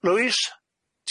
Lwys?